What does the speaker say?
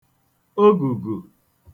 ogùgù